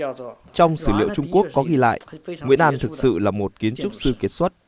trong sử liệu trung quốc có ghi lại nguyễn an thực sự là một kiến trúc sư kiệt xuất